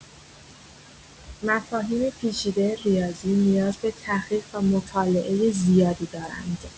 مفاهیم پیچیده ریاضی نیاز به تحقیق و مطالعه زیادی دارند.